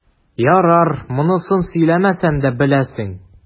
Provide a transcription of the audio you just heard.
Ярар, монысын сөйләмәсәм дә беләсең.